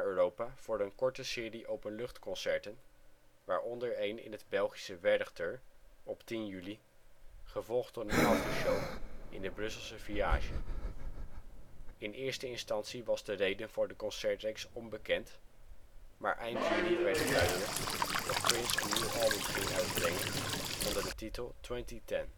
Europa voor een korte serie openluchtconcerten, waaronder een in het Belgische Werchter op 10 juli, gevolgd door een aftershow in de Brusselse Viage. In eerste instantie was de reden voor de concertreeks onbekend, maar eind juni werd het duidelijk dat Prince een nieuw album ging uitbrengen onder de titel 20Ten